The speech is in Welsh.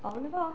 O 'na fo.